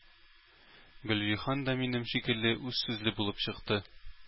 Гөлҗиһан да минем шикелле үзсүзле булып чыкты.